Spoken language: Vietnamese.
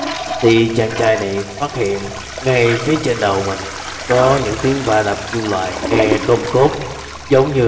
chàng trai này phát hiện ngay phía trên đầu mình có những tiếng va đập kim loại nghe cốp cốp